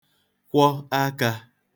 kwọ akā